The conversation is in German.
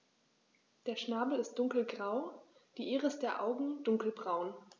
Der Schnabel ist dunkelgrau, die Iris der Augen dunkelbraun.